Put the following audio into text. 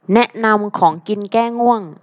แนะนำของกินแก้ง่วง